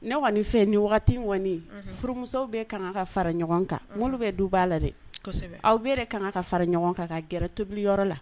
Ne kɔni nin fɛ ni waati wɔni furumusow bɛ kan ka fara ɲɔgɔn kan olu bɛ du b'a la dɛ aw bɛɛ yɛrɛ kan ka fara ɲɔgɔn kan ka gɛrɛ tobiliyɔrɔ la